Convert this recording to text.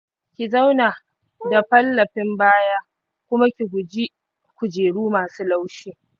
ki zauna da fallafin baya, kuma ki guji kujeru masu laushi.